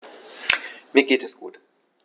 Mir geht es gut.